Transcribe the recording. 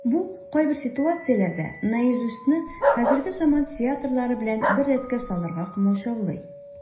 Бу кайбер ситуацияләрдә "Наизусть"ны хәзерге заман театрылары белән бер рәткә салырга комачаулый.